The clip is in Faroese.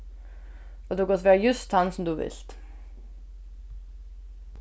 og tú kanst vera júst tann sum tú vilt